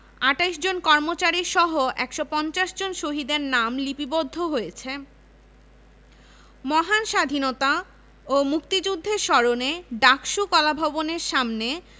মহান মুক্তিযুদ্ধে ঢাকা বিশ্ববিদ্যালয় পরিবারের শহীদদের স্মৃতিকে অমর করে রাখার জন্য উপাচার্য ভবনের সম্মুখস্থ সড়ক দ্বীপে ২৬ মার্চ ১৯৯৪ তারিখে